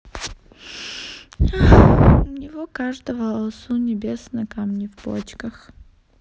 у него каждого алсу небесно камни в почках